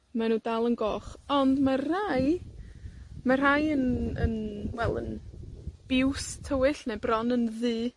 Mae nw dal yn goch. Ond mae rhei, mae rhai yn, yn, wel yn biws tywyll neu bron yn ddu.